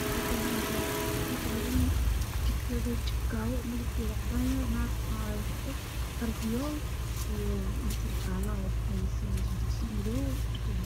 Waa burjiko midabkeedu yahay madow waxaa saaran dugsi waxaa karinayo naag waxay ku jirtaa karto